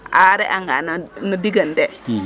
a re anga no digante